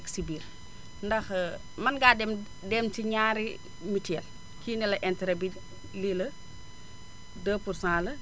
li nekk si biir ndax mën ngaa dem dem ci énaari mutuels kii ne la interet bi lii la 2 pour cent la